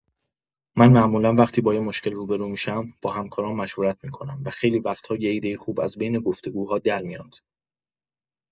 من معمولا وقتی با یه مشکل روبه‌رو می‌شم، با همکارام مشورت می‌کنم و خیلی وقت‌ها یه ایده خوب از بین گفت‌وگوها درمیاد.